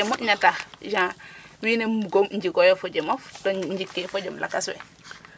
ke moƴna tax genre wiin we mbug o njik fojemof to njikee fo jem lakas we ?